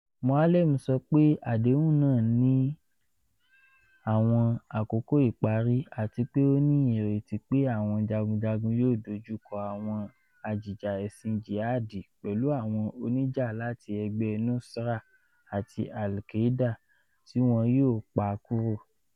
Moualem sọ pe adehun naa ni "awọn akoko ipari" ati pe o ni ireti pe awọn jagunjagun yoo dojuko awọn ajija ẹsin jihadi pẹlu awọn onija lati ẹgbẹ Nusra ti Al-Qaeda, ti wọn yoo "pa kúrò."